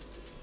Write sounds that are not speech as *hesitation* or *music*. *hesitation* *hesitation*